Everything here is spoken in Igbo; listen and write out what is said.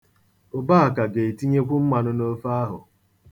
Ụbaka ga-etinyekwu mmanụ n'ofe ahụ.